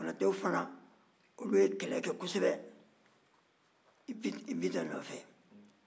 konatɛw fana olu ye kɛlɛ kɛ kosɛbɛ bitɔn nɔfɛ